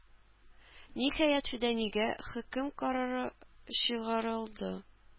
Ниһаять, Фиданиягә хөкем карары чыгарылды.